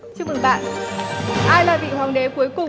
chúc mừng bạn ai là vị hoàng đế cuối cùng